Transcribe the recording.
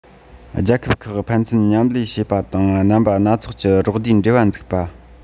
རྒྱལ ཁབ ཁག ཕན ཚུན མཉམ ལས བྱེད པ དང རྣམ པ སྣ ཚོགས ཀྱི རོགས ཟླའི འབྲེལ བ འཛུགས པ